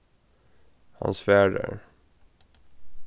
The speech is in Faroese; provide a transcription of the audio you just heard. hann svarar